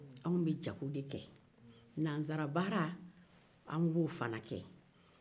anw bɛ jago de kɛ nansarabaara an b'o fana kɛ